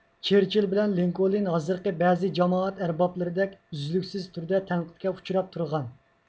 چېرچىل بىلەن لىنكولىن ھازىرقى بەزى جامائەت ئەربابلىرىدەك ئۈزلۈكسىز تۈردە تەنقىدكە ئۇچراپ تۇرغان